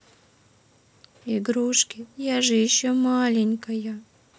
игрушки я же еще маленькая